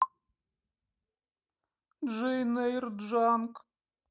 джейн эйр джанк